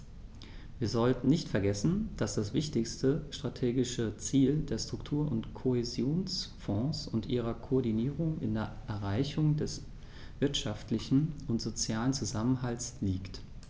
Wir sollten nicht vergessen, dass das wichtigste strategische Ziel der Struktur- und Kohäsionsfonds und ihrer Koordinierung in der Erreichung des wirtschaftlichen und sozialen Zusammenhalts liegt.